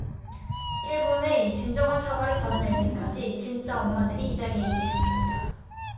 일본의 진정한 사과를 받아낼 때까지 진짜 엄마들이 이 자리에 있겠습니다